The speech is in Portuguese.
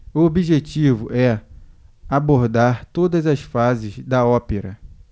o objetivo é abordar todas as fases da ópera